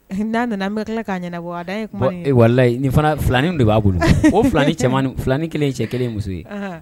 N' nana tila wari nin filanin de b'a bolo o filan ni kelen cɛ kelen muso ye